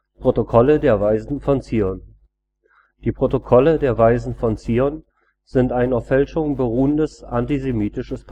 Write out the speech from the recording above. Die Protokolle der Weisen von Zion sind ein auf Fälschungen beruhendes antisemitisches